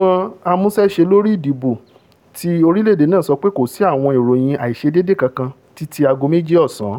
Ìgbìmọ̀ amúṣẹ́ṣe lóri ìdìbò ti orílẹ̀-èdè náà sọ pé kòsí àwọn ìròyìn àìṣedéédéé kankan títí aago méjì ọ̀sán.